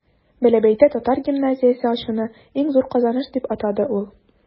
Бәләбәйдә татар гимназиясе ачуны иң зур казаныш дип атады ул.